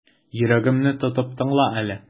Йөрәгемне тотып тыңла әле.